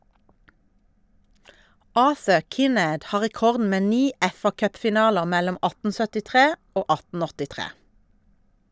Arthur Kinnaird har rekorden med ni FA-cupfinaler mellom 1873 og 1883.